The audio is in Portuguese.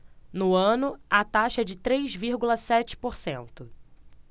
no ano a taxa é de três vírgula sete por cento